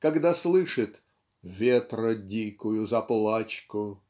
когда слышит "ветра дикую заплачку